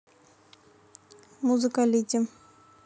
музыкалити